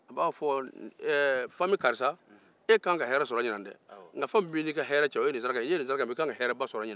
a b'a fɔ karisa e ka kan ka hɛrɛ sɔrɔ ɲina n'i ye nin saraka in bɔ